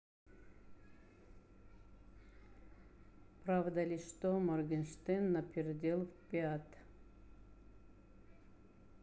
правда ли что morgenshtern напердел в beat